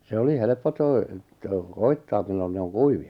se oli helppo -- koettaa milloin ne on kuivia